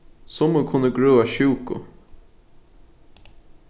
summi kunnu grøða sjúku